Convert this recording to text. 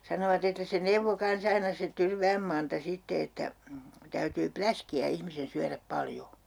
sanovat että se neuvoi kanssa aina se Tyrvään Manta sitten että täytyy läskiä ihmisen syödä paljon